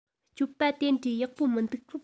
སྤྱོད པ དེ འདྲའི ཡག པོ མི འདུག